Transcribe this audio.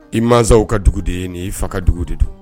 I mansaw ka dugu de ye nin i fa ka dugu de don